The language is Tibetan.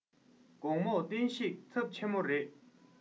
དགོང མོ བསྟན བཤུག ཚབས ཆེན མོ རེ